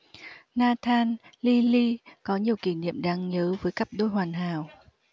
nathan lee lee có nhiều kỷ niệm đáng nhớ với cặp đôi hoàn hảo